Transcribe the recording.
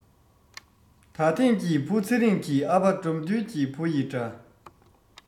ད ཐེངས ཀྱི བུ ཚེ རིང གི ཨ ཕ དགྲ འདུལ གྱི བུ ཡི འདྲ